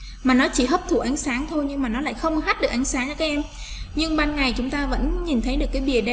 mà nó chỉ hấp thụ ánh sáng thôi nhưng mà nó lại không khác được ánh sáng các em nhưng ban ngày chúng ta vẫn nhìn thấy được cái gì